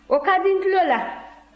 o ka di n tulo la